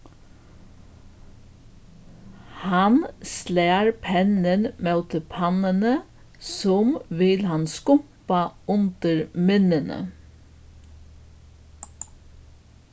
hann slær pennin móti pannuni sum vil hann skumpa undir minnini